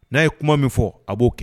N'a ye kuma min fɔ a b'o kɛ